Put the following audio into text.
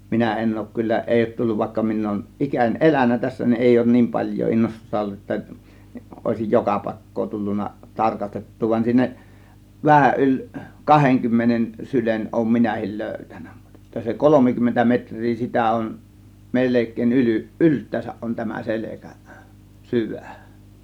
minä en ole kyllä ei ole tullut vaikka minä olen ikäni elänyt tässä niin ei ole niin paljoa innostusta ollut että olisi joka paikkaa tullut tarkastettua vaan siinä vähän yli kahdenkymmenen sylen olen minäkin löytänyt mutta että se kolmekymmentä metriä sitä on melkein - yltäänsä on tämä selkä syvä